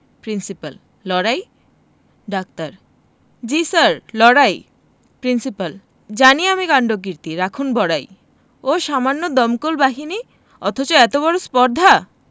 principal লড়াই doctor জ্বী sir লড়াই প্রিন্সিপাল জানি আমি কাণ্ডকীর্তি রাখুন বড়াই ওহ্ সামান্য দমকল বাহিনী অথচ এত বড় স্পর্ধা